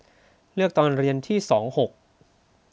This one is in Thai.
เลือกตอนเรียนที่สองหก